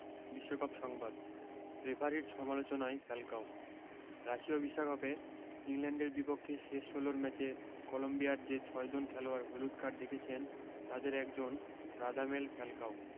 বিশ্বকাপ সংবাদ রেফারির সমালোচনায় ফ্যালকাও রাশিয়া বিশ্বকাপে ইংল্যান্ডের বিপক্ষে শেষ ষোলোর ম্যাচে কলম্বিয়ার যে ছয়জন খেলোয়াড় হলুদ কার্ড দেখেছেন তাদের একজন রাদামেল ফ্যালকাও